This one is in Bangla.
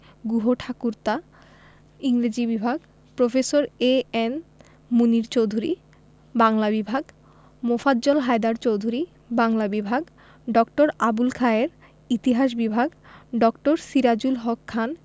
গুহঠাকুরতা ইংরেজি বিভাগ প্রফেসর এ.এন মুনীর চৌধুরী বাংলা বিভাগ মোফাজ্জল হায়দার চৌধুরী বাংলা বিভাগ ড. আবুল খায়ের ইতিহাস বিভাগ ড. সিরাজুল হক খান